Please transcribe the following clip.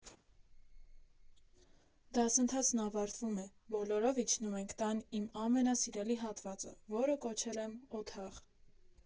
Դասընթացն ավարտվում է, բոլորով իջնում ենք տան իմ ամենասիրելի հատվածը, որը կոչել եմ Օթաղ։